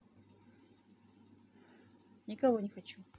никого не хочу